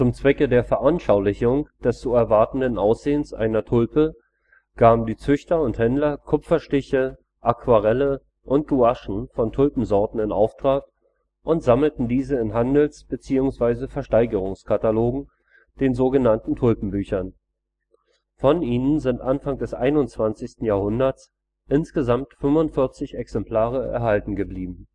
Zwecke der Veranschaulichung des zu erwartenden Aussehens einer Tulpe gaben die Züchter und Händler Kupferstiche, Aquarelle und Gouachen von Tulpensorten in Auftrag und sammelten diese in Handels - bzw. Versteigerungskatalogen, so genannten Tulpenbüchern. Von ihnen sind Anfang des 21. Jahrhunderts insgesamt 45 Exemplare erhalten geblieben